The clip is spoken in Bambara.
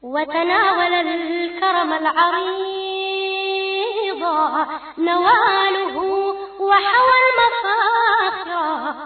Wa wadugukɔrɔ bɔ naamubugu wa